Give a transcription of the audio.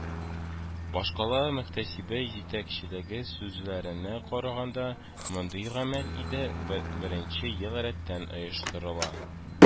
Башкала мөхтәсибәте җитәкчелеге сүзләренә караганда, мондый гамәл иде берничә ел рәттән оештырыла